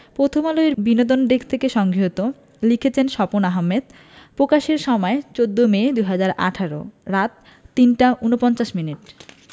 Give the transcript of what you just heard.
প্রথমআলো এর বিনোদন ডেস্ক হতে সংগৃহীত লিখেছেনঃ স্বপন আহমেদ প্রকাশের সময় ১৪মে ২০১৮ রাত ৩টা ৪৯ মিনিট